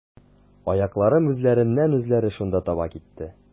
Аякларым үзләреннән-үзләре шунда таба китте.